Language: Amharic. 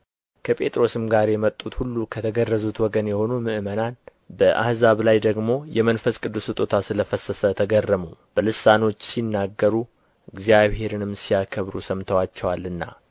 ከጴጥሮስም ጋር የመጡት ሁሉ ከተገረዙት ወገን የሆኑ ምዕመናን በአሕዛብ ላይ ደግሞ የመንፈስ ቅዱስ ስጦታ ስለ ፈሰሰ ተገረሙ በልሳኖች ሲናገሩ እግዚአብሔርንም ሲያከብሩ ሰምተዋቸዋልና